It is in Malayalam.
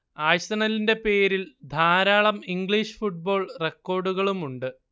ആഴ്സണലിന്റെ പേരിൽ ധാരാളം ഇംഗ്ലീഷ് ഫുട്ബോൾ റെക്കോർഡുകളുമുണ്ട്